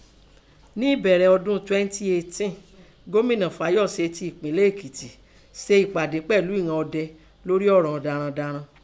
Nẹ́ ẹ̀bẹ̀rẹ̀ ọdún twenty eighteen Gómìnà Fáyòsé ẹ̀pínlẹ̀ Èkìtì se ẹ̀pàdé pẹ̀lú ìnan ọdẹ lórí ọ̀rọ̀ darandaran.